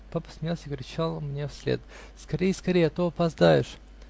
Папа смеялся и кричал мне вслед: -- Скорей, скорей, а то опоздаешь.